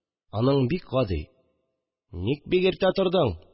Аның бик гади: «Ник бик иртә тордың?»